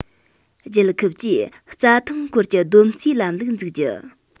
རྒྱལ ཁབ ཀྱིས རྩྭ ཐང སྐོར གྱི བསྡོམས རྩིས ལམ ལུགས འཛུགས རྒྱུ